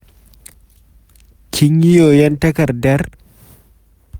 Kin yi yoyon takardar?